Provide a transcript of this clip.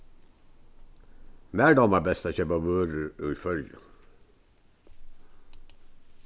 mær dámar best at keypa vørur í føroyum